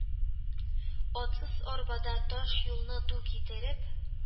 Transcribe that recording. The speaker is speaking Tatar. Атсыз арбада таш юлны ду китереп,